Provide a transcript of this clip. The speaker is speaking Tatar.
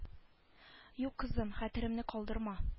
Юк кызым хәтеремне калдырма